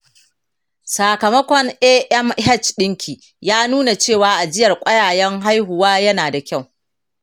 sakamakon amh ɗinki ya nuna cewa ajiyar ƙwayayen haihuwa yana da kyau.